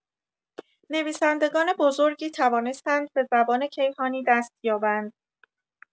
نویسندگان بزرگی توانستند به زبان کیهانی دست یابند.